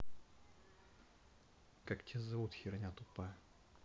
как тебя зовут херня тупая